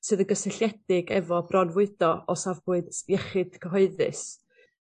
sydd y' gysylltiedig efo bronfwydo o safbwynt iechyd cyhoeddus.